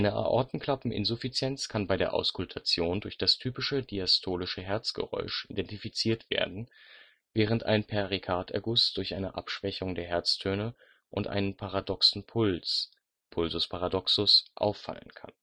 Aortenklappeninsuffizienz kann bei der Auskultation durch das typische diastolische Herzgeräusch identifiziert werden, während ein Perikarderguss durch eine Abschwächung der Herztöne und einen paradoxen Puls (Pulsus paradoxus) auffallen kann